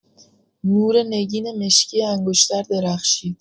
نور نگین مشکی انگشتر درخشید.